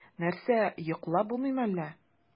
Нәрсә, йоклап булмыймы әллә?